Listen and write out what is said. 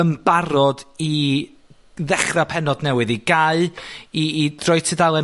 in barod i ddechra pennod newydd? I gau, i i droi tudalen